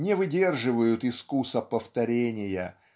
не выдерживают искуса повторения